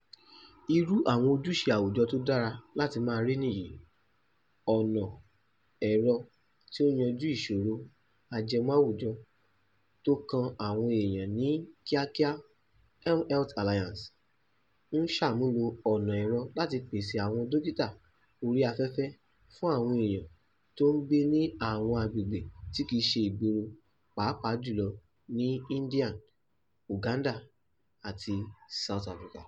“Irú awọn ojùṣe àwùjọ tó dára láti máa rí ni èyí — ọ̀nà ẹ̀rọ̀ tó ń yànjú ìṣòrò ajẹmọ́ awujọ to kan àwọn eèyàn ní kíákíá … mHealth Alliance ń ṣàmúlò ọ̀nà ẹ̀rọ láti pèsè àwọn dókìtà orí afẹ́fẹ́ fún àwọn eèyàn tó n gbé ní àwọn agbègbè tí kìí ṣe ìgboro, pàápàá jùlọ ní Indian, Uganda àti South Africa.